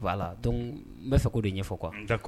B'a fɛ k ko de ɲɛ ɲɛfɔ kuwa